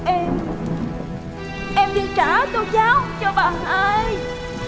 em em đi trả tô cháo cho bà hai